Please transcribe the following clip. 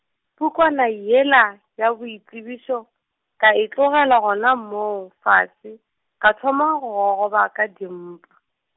pukwana yela, ya boitsebišo, ka e tlogela gona moo fase, ka thoma gogoba ka dimpa.